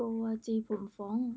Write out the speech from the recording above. โกวาจีผมฟร้องซ์